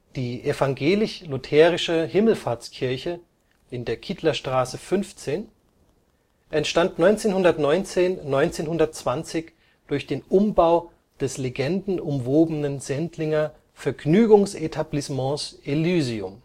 Die evangelisch-lutherische Himmelfahrtskirche (Kidlerstraße 15) entstand 1919 / 1920 durch den Umbau des legendenumwobenen Sendlinger Vergnügungsetablissements „ Elysium